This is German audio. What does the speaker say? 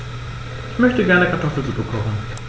Ich möchte gerne Kartoffelsuppe kochen.